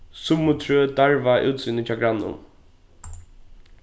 summi trø darva útsýnið hjá grannum